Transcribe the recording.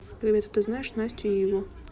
привет а ты знаешь настю и его